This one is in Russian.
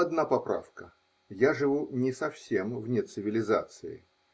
Одна поправка: я живу не совсем вне цивилизации.